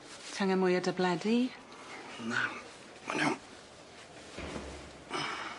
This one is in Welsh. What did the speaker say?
Ti angen mwy o dabledi? Na. mae'm iawn. Hmm.